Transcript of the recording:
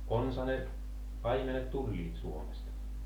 konsa ne paimenet tulivat Suomesta